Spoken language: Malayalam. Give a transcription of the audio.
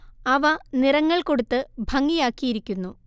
അവ നിറങ്ങൾ കൊടുത്ത് ഭംഗിയാക്കിയിരിക്കുന്നു